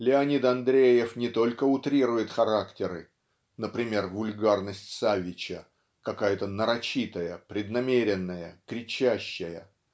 Леонид Андреев не только утрирует характеры (например вульгарность Саввича какая-то нарочитая преднамеренная кричащая)